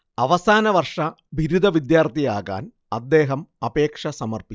അവസാനവർഷ ബിരുദ വിദ്യാർത്ഥിയാകാൻ അദ്ദേഹം അപേക്ഷ സമർപ്പിച്ചു